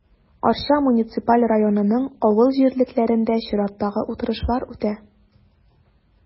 Арча муниципаль районының авыл җирлекләрендә чираттагы утырышлар үтә.